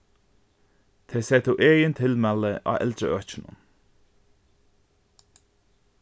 tey settu egin tilmæli á eldraøkinum